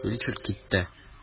Ричард китә.